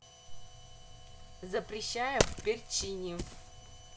запрещаем в перчини